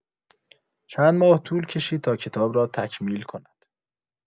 چند ماه طول کشید تا کتاب را تکمیل کند.